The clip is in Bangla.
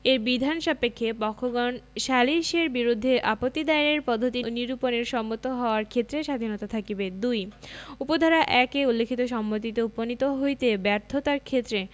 এর বিধান সাপেক্ষে পক্ষগণ সালিসের বিরুদ্ধে আপত্তি দায়েরের পদ্ধতি নিরুপণের সম্মত হওয়ার ক্ষেত্রে স্বাধীনতা থাকিবে ২ উপ ধারা ১ এ উল্লেখিত সম্মতিতে উপনীত হইতে ব্যর্থতার ক্ষেত্রে